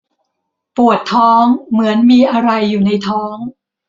ปวดท้องเหมือนมีอะไรอยู่ในท้อง